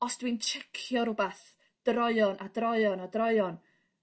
Os dwi'n tsiecio rwbath droeon a droeon o droeon.